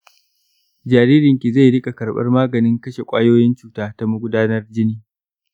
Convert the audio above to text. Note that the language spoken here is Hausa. jaririnki zai riƙa karɓar maganin kashe ƙwayoyin cuta ta magudanar jini